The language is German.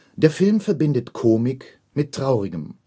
Der Film verbindet Komik mit Traurigem